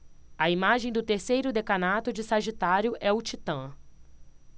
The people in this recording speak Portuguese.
a imagem do terceiro decanato de sagitário é o titã